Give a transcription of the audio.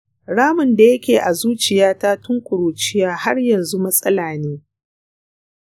ramin da yake a zuciyata tun ƙuruciya har yanzu matsala ne?